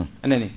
anani